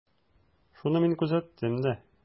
Шуны мин күзәттем дә.